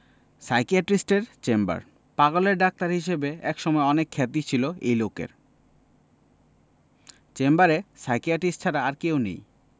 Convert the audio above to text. সাইকিয়াট্রিস্টের chamber পাগলের doctor হিসেবে একসময় অনেক খ্যাতি ছিল এই লোকের চেম্বারে সাইকিয়াট্রিস্ট ছাড়া আর কেউ নেই